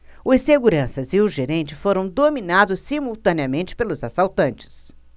os seguranças e o gerente foram dominados simultaneamente pelos assaltantes